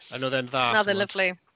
Ond oedd e'n dda chimod. Na, oedd o'n lyfli.